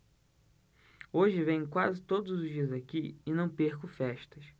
hoje venho quase todos os dias aqui e não perco festas